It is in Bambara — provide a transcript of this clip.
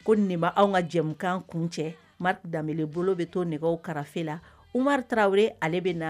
Ko n ne ma anw ŋa jɛmukan kuncɛ Mate Dembele bolo be to nɛgɛw karafe la Umar Traore ale bena